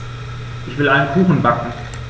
Ich will einen Kuchen backen.